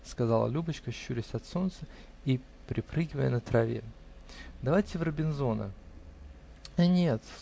-- сказала Любочка, щурясь от солнца и припрыгивая по траве. -- Давайте в Робинзона. -- Нет.